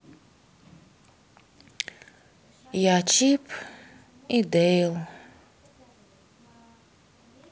я чип и дейл